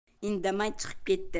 indamay chiqib ketdi